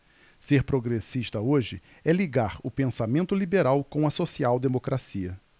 ser progressista hoje é ligar o pensamento liberal com a social democracia